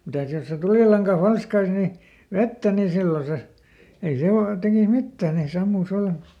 mitäs jos se tulilanka falskaisi niin vettä niin silloin se ei se - tekisi mitään ne sammuisi vallan